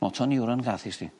Moto neuron gath 'i sti.